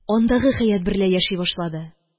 Андагы хәят берлә яши башлады